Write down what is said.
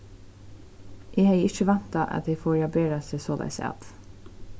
eg hevði ikki væntað at tey fóru at bera seg soleiðis at